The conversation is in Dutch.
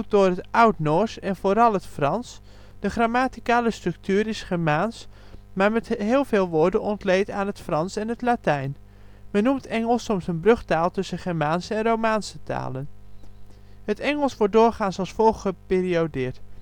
door het Oud-Noors en vooral het Frans. De grammaticale structuur is Germaans maar met heel veel woorden ontleend aan het Frans en Latijn. Men noemt Engels soms een brugtaal tussen de Germaanse - en Romaanse talen. Het Engels wordt doorgaans als volgt geperiodiseerd